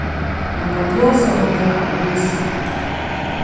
mann kann tosa um tað at lýsa